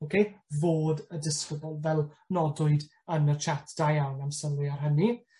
Oce? Fod y disgybl fel nodwyd yn y chat. Da iawn am sylwi ar hynny.